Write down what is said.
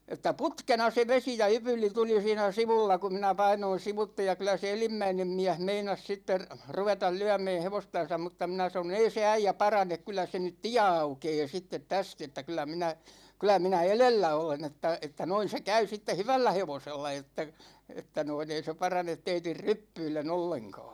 että putkena se vesi ja ypyli tuli siinä sivulla kun minä painoin sivuitse ja kyllä se edimmäinen mies meinasi sitten ruveta lyömään hevostansa mutta minä sanoin ei se äijä parane kyllä se nyt tie aukeaa sitten tästä että kyllä minä kyllä minä edellä olen että että noin se käy sitten hyvällä hevosella että että noin ei se parane teidän ryppyillen ollenkaan